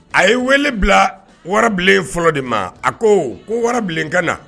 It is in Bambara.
A ye wele bila warabilen fɔlɔ de ma a ko ko warabilen ka na